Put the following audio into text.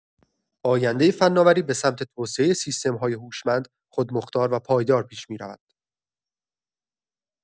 آینده فناوری به سمت توسعه سیستم‌های هوشمند، خودمختار و پایدار پیش می‌رود.